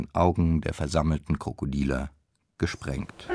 Augen der versammelten Krokodiler gesprengt